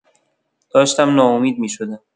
داشتم ناامید می‌شدم.